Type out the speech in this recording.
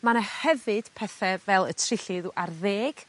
Ma' 'na hefyd pethe fel y trilliw ar ddeg